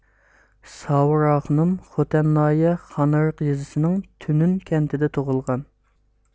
ساۋۇر ئاخۇنۇم خوتەن ناھىيە خانئېرىق يېزىسىنىڭ تۈنۈن كەنتىدە تۇغۇلغان